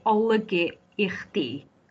olygu i chdi?